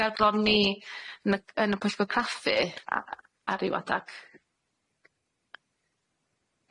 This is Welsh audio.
ger bron ni yn y yn y pwyllgor craffu a- ar ryw adag?